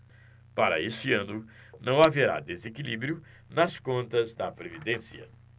para este ano não haverá desequilíbrio nas contas da previdência